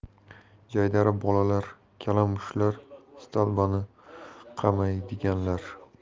jaydari bolalar kalamushlar stolba ni qamaydiganlar